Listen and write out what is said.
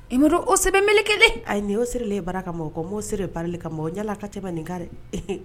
I maa don o sɛbɛmelekelen, ayi , ee nin y'o sirilen ye baara kaman, nk'o moo siri parili kamɔn o ye ɲalan ka tɛmɛ nin kan dɛ